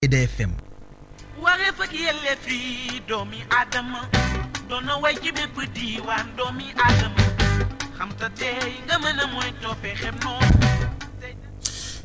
Alfayda FM